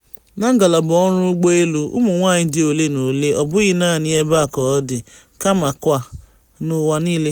Na ngalaba ọrụ ụgbọelu, ụmụnwaanyị dị ole na ole, ọbụghị naanị ebe a ka ọ dị, kamakwa n'ụwa niile.